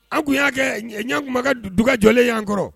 An tun y'a kɛ Ɲankuma ka dugjɔlen y'an kɔrɔ